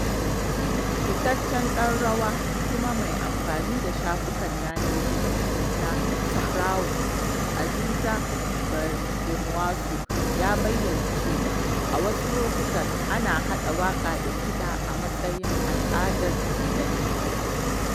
Fitaccen ɗan rawa kuma mai amfani da shafukan yanar gizo na Sahrawi, Aziza Brahimwasu ya bayyana cewa, a wasu lokutan ana haɗa waƙa da kiɗa a matsayin ala'dar dangi.